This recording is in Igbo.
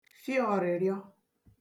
fị ọ̀rị̀rịọ